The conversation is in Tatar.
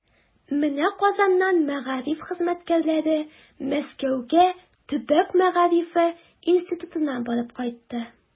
Менә Казаннан мәгариф хезмәткәрләре Мәскәүгә Төбәк мәгарифе институтына барып кайтты.